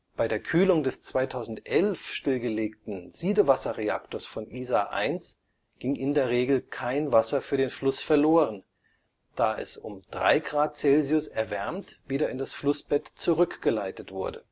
Bei der Kühlung des 2011 stillgelegten Siedewasserreaktors von Isar I ging i. d. R. kein Wasser für den Fluss verloren, da es um drei Grad Celsius erwärmt wieder in das Flussbett zurückgeleitet wurde